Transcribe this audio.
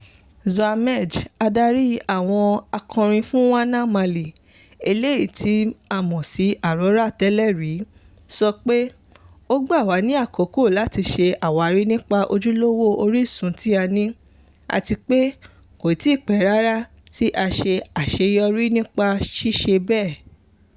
Zouheir Mejd, adarí àwọn akọrin fún Wana Mali (eléyìí tí a mọ̀ sí Aurora) tẹ́lẹ̀ rí) sọ pé "Ó gbà wá ní àkókò láti ṣe àwárí nípa ojúlówó orìsun tí a ní, àti pé kò tí ì pẹ́ rárá tí a ṣe àṣeyọrí nípa ṣíṣe bẹ́ẹ̀"